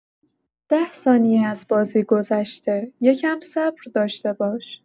ده ثانیه از بازی گذشته، یه کم صبر داشته باش.